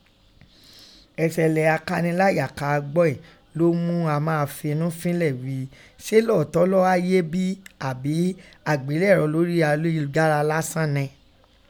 Èsẹlẹ akanilaya káa gbọ ìín lọ́ mú a maa finnu finlẹ ghí i se lootọ lọ́ haye bi àbí àgbélẹ̀rọ lori ayélujára lásán nẹ.